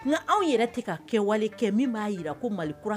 Nka anw yɛrɛ tɛ ka kɛwale kɛ min b'a jira ko mali kura